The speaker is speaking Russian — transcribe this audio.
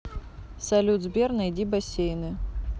салют сбер найди бассейны